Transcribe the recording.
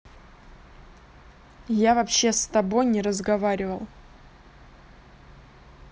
я вообще с тобой не разговаривал